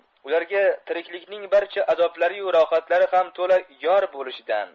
ularga tiriklikning barcha azoblari yu rohatlari ham to'la yor bo'lishidan